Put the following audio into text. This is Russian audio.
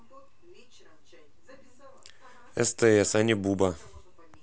стс а не буба